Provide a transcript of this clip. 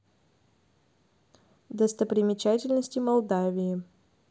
достопримечательности молдавии